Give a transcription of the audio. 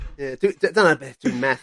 Ie dwi d- dyna'r beth dwi'n methu